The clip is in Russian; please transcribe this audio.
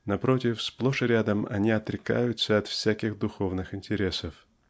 Напротив, сплошь и рядом они отрекаются от всяких духовных интересов.